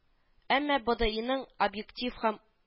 Әмма БэДэИның объектив һәм